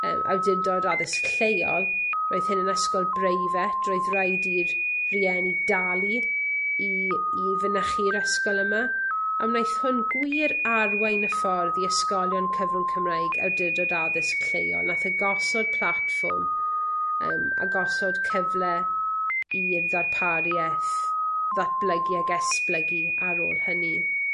yym awdurdod addysg lleol roedd hyn yn ysgol breifat roedd raid i'r rhieni dalu i i fynychu'r ysgol yma a wnaeth hwn gwir arwain y ffordd i ysgolion cyfrwng Cymreig awdurdod addysg lleol nath e gosod platfform yym a gosod cyfle i'r ddarpariaeth ddatblygu ag esblygu ar ôl hynny.